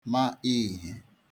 ma ihè